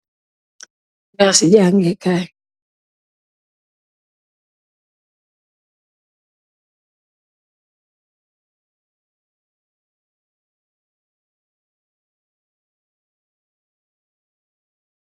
palasi jañgékay